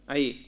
a yiyii